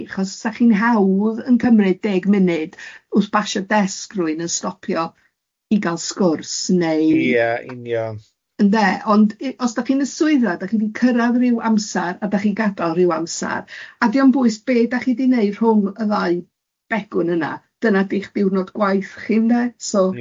achos sa chi'n hawdd yn cymryd deg munud wrth basio desg rhwun yn stopio i gal swrs neu... Ie ie union. ...ynde, ond i- os dach chi'n y swyddfa, dach chi'n cyrraedd ryw amser a dach chi'n gadael ryw amser, a dio'm bwys be' dach chi di wneud rhwng y ddau begwn yna, dyna di'ch diwrnod gwaith chi ynde, so. Ie.